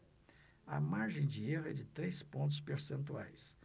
a margem de erro é de três pontos percentuais